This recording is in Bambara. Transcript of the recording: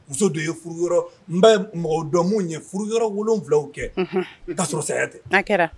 Muso dɔ ye furuyɔrɔ n bɛ mɔgɔw dɔn minnu ye furuyɔrɔ 7 kɛ, unhun, kasɔrɔ saya tɛ, a kɛra